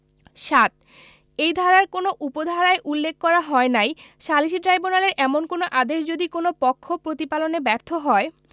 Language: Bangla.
৭ এই ধারার কোন উপ ধারায় উল্লেখ করা হয় নাই সালিসী ট্রাইব্যুনালের এমন কোন আদেশ যদি কোন পক্ষ প্রতিপালনে ব্যর্থ হয়